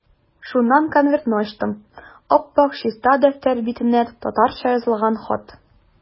Шуннан конвертны ачтым, ап-ак чиста дәфтәр битенә татарча язылган хат.